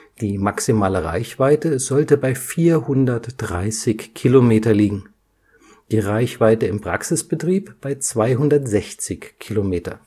Die maximale Reichweite sollte bei 430 km liegen, die Reichweite im Praxisbetrieb bei 260 km